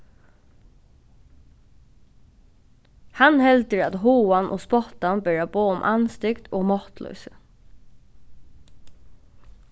hann heldur at háðan og spottan bera boð um andstygd og máttloysi